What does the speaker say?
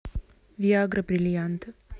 виагра бриллианты